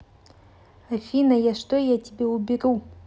афина а что я тебе уберу